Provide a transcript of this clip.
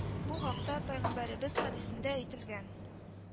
Бу хакта Пәйгамбәребез хәдисендә әйтелгән